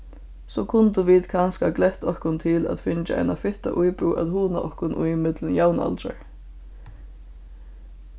so kundu vit kanska glett okkum til at fingið eina fitta íbúð at hugna okkum í millum javnaldrar